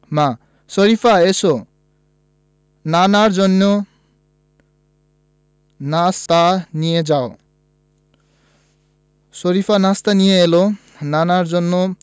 মা শরিফা এসো নানার জন্য নাশতা নিয়ে যাও শরিফা নাশতা নিয়ে এলো নানার জন্য